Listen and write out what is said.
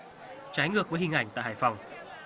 trái ngược với hình ảnh tại hải phòng